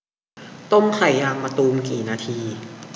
ต้มไข่ยางมะตูมกี่นาที